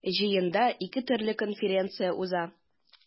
Җыенда ике төрле конференция уза.